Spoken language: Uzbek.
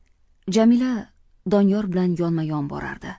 jamila doniyor bilan yonma yon borardi